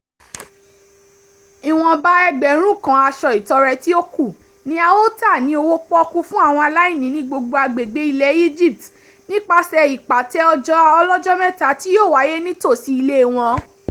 Ìwọ̀nba ẹgbẹ̀rún kan aṣọ ìtọrẹ tí ó kù ni a ó tà ní owó pọ́ọ́kú fún àwọn aláìní ní gbogbo agbègbè ilẹ̀ Egypt nípasẹ̀ ìpàtẹ ọjà ọlọ́jọ́-mẹ́ta tí yóò wáyé ní nítòsí ilé wọn.